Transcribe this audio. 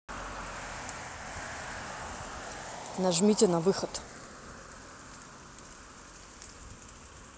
нажмите на выход